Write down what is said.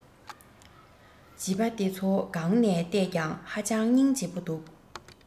བྱིས པ འདི ཚོ གང ནས ལྟས ཀྱང ཧ ཅང རྙིང རྗེ པོ འདུག